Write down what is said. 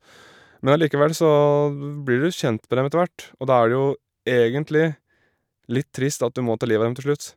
Men allikevel så blir du kjent med dem etter hvert, og da er det jo egentlig litt trist at du må ta liv av dem til slutt.